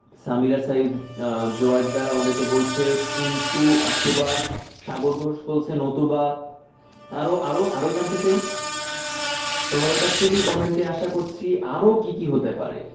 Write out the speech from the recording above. সামিরা সাইফ জোয়ার্দ্দার আমাদের কে বলছে কিন্তু অথবা সাগর ঘোষ বলছে নতুবা আরো আরো জানতে চাই তোমাদের কাছ থেকে কমেন্ট আশা করছি আরও কি কি হতে পারে